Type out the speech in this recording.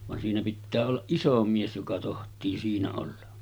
vaan siinä pitää olla iso mies joka tohtii siinä olla